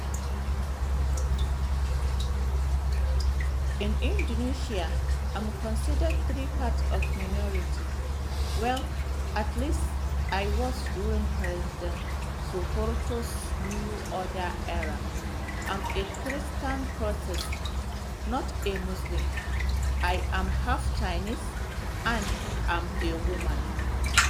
In Indonesia, I'm considered three parts minority — well, at least, I was during President Suharto's New Order era: I'm a Christian Protestant, not a Muslim, I am half Chinese, and I'm a woman.